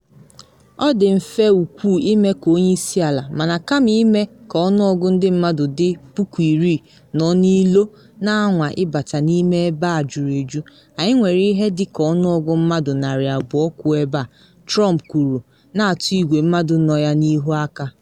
“Ọ dị mfe ukwuu ịme ka onye isi ala, mana kama ịme ka ọnụọgụ ndị mmadụ dị 10,000 nọ n’ilo na anwa ịbata n’ime ebe a juru eju, anyị nwere ihe dị ka ọnụọgụ mmadụ 200 kwụ ebe a, “Trump kwuru, na atụ igwe mmadụ nọ ya n’ihu aka.